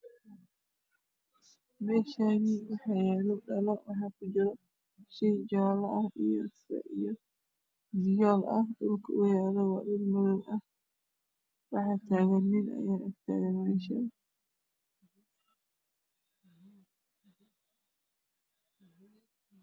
Meshani waxaa yalo dhalo waxaa ku jira shey jala ah iyo shey fiyool ah dhulka uu yalo waa dhul madoow ah waxaa tagan nin ayaa tagan